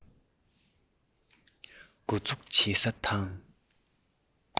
མགོ འཛུགས བྱེད ས དང